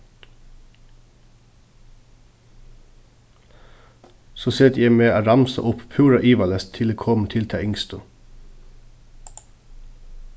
so seti eg meg at ramsa upp púra ivaleyst til eg komið til ta yngstu